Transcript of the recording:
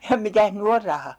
ja mitäs nyt on raha